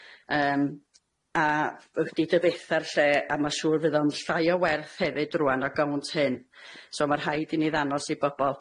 yym, a wydi dyfetha'r lle, a ma' siŵr fydd o'n llai o werth hefyd rŵan ar gownt hyn. So ma' rhaid i ni ddanos i bobol.